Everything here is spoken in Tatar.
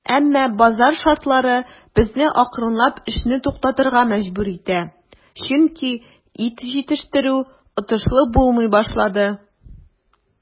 Әмма базар шартлары безне акрынлап эшне туктатырга мәҗбүр итә, чөнки ит җитештерү отышлы булмый башлады.